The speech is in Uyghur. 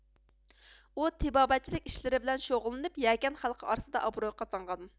ئۇ تېبابەتچىلىك ئىشلىرى بىلەن شۇغۇللىنىپ يەكەن خەلقى ئارىسىدا ئابروي قازانغان